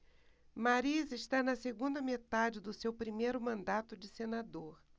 mariz está na segunda metade do seu primeiro mandato de senador